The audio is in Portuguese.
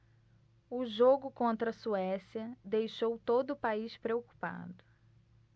o jogo contra a suécia deixou todo o país preocupado